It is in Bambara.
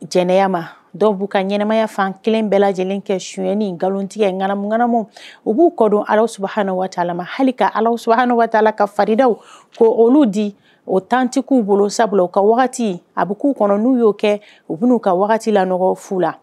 Jɛnɛya ma dɔw b'u ka ɲɛnaɛnɛmaya fan kelen bɛɛ lajɛlen kɛ suyni nkalontigɛ inganamganama u b'u kɔ don alas haana la ma hali ka alas haanataa la ka farinda ko olu di o tanti k'u bolo sa u ka wagati a bɛ k'u kɔnɔ n'u y'o kɛ u bɛ'u ka wagati laɔgɔ fu la